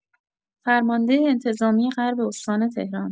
فرمانده انتظامی غرب استان تهران